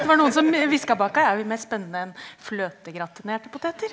det var noen som hviska bak her, er vi mer spennende enn fløtegratinerte poteter?